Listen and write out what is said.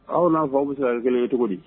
Aw n'a fɔ aw bɛ se kelen ye cogo di